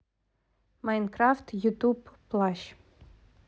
майнкрафт ютуб плащ